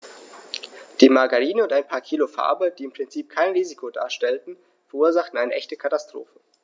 Die Margarine und ein paar Kilo Farbe, die im Prinzip kein Risiko darstellten, verursachten eine echte Katastrophe.